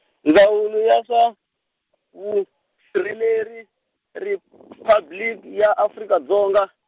Ndzawulo ya swa, Vusirheleri, Riphabliki ya Afrika Dzonga.